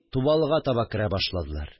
Тубалга таба керә башладылар